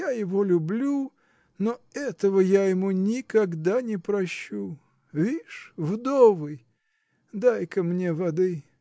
Я его люблю, но этого я ему никогда не прощу. Вишь, вдовый! Дай-ка мне воды.